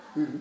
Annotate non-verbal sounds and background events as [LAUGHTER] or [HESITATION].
[HESITATION] [HESITATION]